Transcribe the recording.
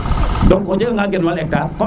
donc o jega nga gen wal hectar